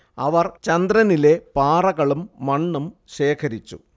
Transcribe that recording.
അവർ ചന്ദ്രനിലെ പാറകളും മണ്ണും ശേഖരിച്ചു